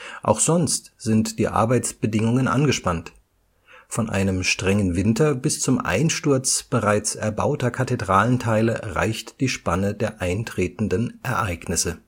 Auch sonst sind die Arbeitsbedingungen angespannt: von einem strengen Winter bis zum Einsturz bereits erbauter Kathedralenteile reicht die Spanne der eintretenden Ereignisse